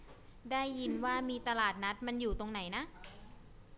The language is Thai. ได้ยินว่ามีตลาดนัดมันอยู่ตรงไหนนะ